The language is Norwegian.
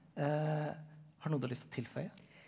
har du noe du har lyst å tilføye?